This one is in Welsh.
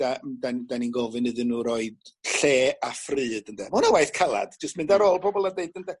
'da- n- 'dan 'dan ni'n gofyn iddyn n'w roid lle a phryd ynde ma' wnna waith calad jyst mynd ar ôl pobol a deud ynde?